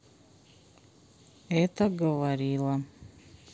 это говорила